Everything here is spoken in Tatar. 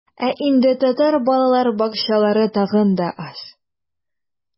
Ә инде татар балалар бакчалары тагын да аз.